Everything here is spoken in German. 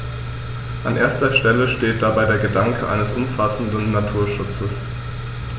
An erster Stelle steht dabei der Gedanke eines umfassenden Naturschutzes.